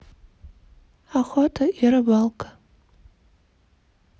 охота и рыбалка